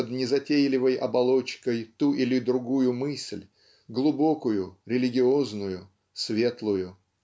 под незатейливой оболочкой ту или другую мысль глубокую религиозную светлую